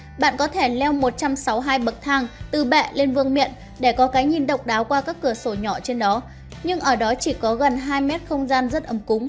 bạn có thể leo bậc thang từ bệ lên vương miện để có cái nhìn độc đáo qua các cửa sổ nhỏ trên đó nhưng ở đó chỉ có gần m không gian rất ấm cúng